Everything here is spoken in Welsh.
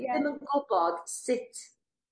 Ie. ...ddim yn gwbod sut